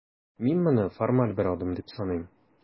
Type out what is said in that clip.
Мин моны формаль бер адым дип саныйм.